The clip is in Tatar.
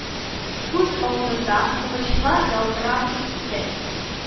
Күз алдында кылычлар ялтырап китте